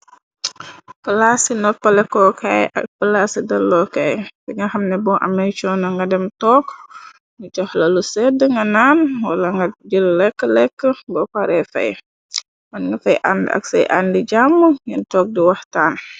Plaa si noppale kookaay ak plaasi dalookaay bina xamne boo ame cona nga dem took nu jox la lu sedd nga naan wala nga jël lekk lekk bo pare fay mën nga fay ànd ak say àndi jàm nen toog di wax taan.